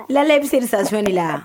Lalɛ bɛisiriri sa sonni la